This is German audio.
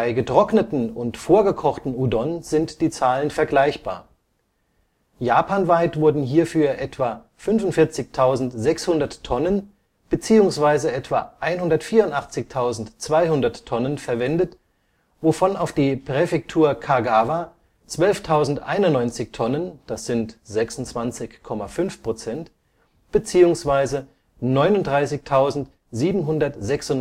getrockneten und vorgekochten Udon sind die Zahlen vergleichbar: Japanweit wurden hierfür etwa 45.600 Tonnen beziehungsweise etwa 184.200 Tonnen verwendet, wovon auf die Präfektur Kagawa 12.091 Tonnen (26,5 %) beziehungsweise 39.796 Tonnen